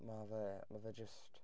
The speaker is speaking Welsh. Ma' fe... ma' fe jyst...